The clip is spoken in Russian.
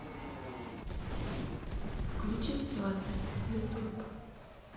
включи сваты ютуб